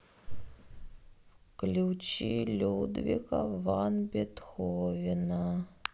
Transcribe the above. включи людвига ван бетховена